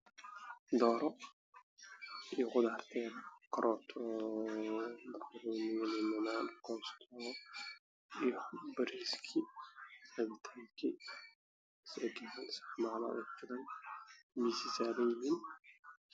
Waa hilib uumita ah